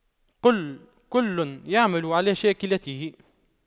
قُل كُلٌّ يَعمَلُ عَلَى شَاكِلَتِهِ